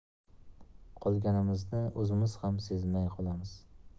qolganimizni o'zimiz ham sezmay qolamiz